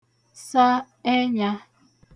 sa ẹnyā